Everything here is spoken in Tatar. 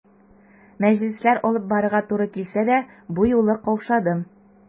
Мәҗлесләр алып барырга туры килсә дә, бу юлы каушадым.